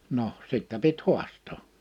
no sitten piti haastaa